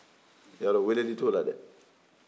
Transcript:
i y'a dɔ weleli tɛ o la dɛ